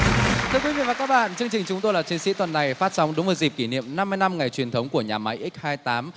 thưa quý vị và các bạn chương trình chúng tôi là chiến sĩ tuần này phát sóng đúng vào dịp kỷ niệm năm mươi năm ngày truyền thống của nhà máy ích hai tám